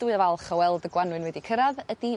ofnadwy o falch o weld y Gwanwyn wedi cyrradd ydi...